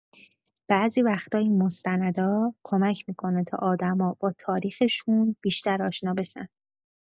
بعضی وقتا این مستندا کمک می‌کنه تا آدما با تاریخشون بیشتر آشنا بشن.